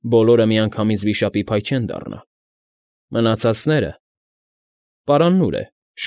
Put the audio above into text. Բոլորը միանգամից վիշապի փայ չեն դառնա։ Մնացածները… պարանն ո՞ւր է։